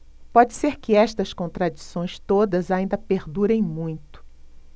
pode ser que estas contradições todas ainda perdurem muito